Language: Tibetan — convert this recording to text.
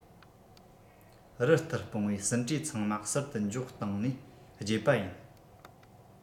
རི ལྟར སྤུངས བའི ཟིན བྲིས ཚང མ ཟུར དུ འཇོག སྟེང ནས བརྗེད པ ཡིན